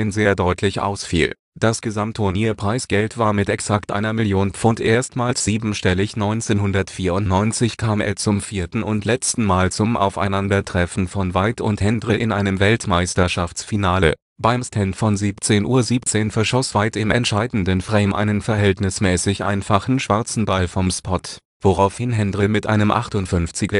sehr deutlich ausfiel. Das Gesamtturnierpreisgeld war mit exakt einer Million Pfund erstmals siebenstellig. 1994 kam es zum vierten und letzten Mal zum Aufeinandertreffen von White und Hendry in einem Weltmeisterschaftsfinale. Beim Stand von 17:17 verschoss White im entscheidenden Frame eine verhältnismäßig einfache schwarze Kugel vom Spot, woraufhin Hendry mit einem 58er-Break